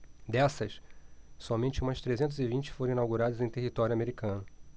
dessas somente umas trezentas e vinte foram inauguradas em território americano